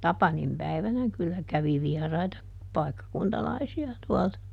Tapanin päivänä kyllä kävi vieraita paikkakuntalaisia tuolta